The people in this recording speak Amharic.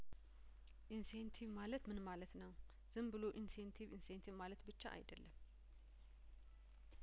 ኢንሴንቲቭ ማለትምን ማለት ነው ዝም ብሎ ኢንሴንቲቭ ኢንሴንቲቭ ማለት ብቻ አይደለም